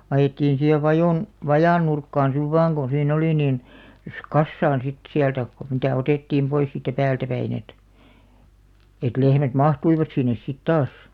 ajettiin siihen vajan vajan nurkkaan sitten vain kun siinä oli niin jos kasaan sitten sieltä kun mitä otettiin pois siitä päältä päin että että lehmät mahtuivat sinne sitten taas